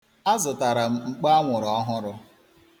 Azụtara m mkpo anwụrụ ọhụrụ.